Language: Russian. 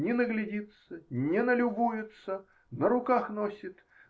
Не наглядится, не налюбуется, на руках носит.